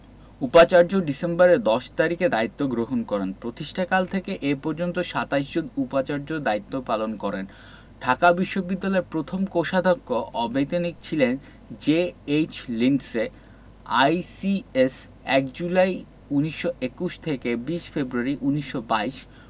উপাচার্য ডিসেম্বরের ১০ তারিখে দায়িত্ব গ্রহণ করেন প্রতিষ্ঠাকাল থেকে এ পর্যন্ত ২৭ জন উপাচার্য দায়িত্ব পালন করেন ঢাকা বিশ্ববিদ্যালয়ের প্রথম কোষাধ্যক্ষ অবেতনিক ছিলেন জে.এইচ লিন্ডসে আইসিএস ১ জুলাই ১৯২১ থেকে ২০ ফেব্রুয়ারি ১৯২২